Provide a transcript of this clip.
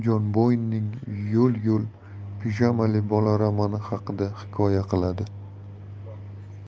yo'l pijamali bola romani haqida hikoya qiladi